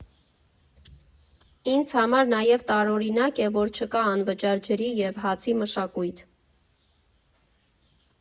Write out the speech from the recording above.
Ինձ համար նաև տարօրինակ է, որ չկա անվճար ջրի և հացի մշակույթը։